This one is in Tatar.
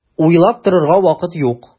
Уйлап торырга вакыт юк!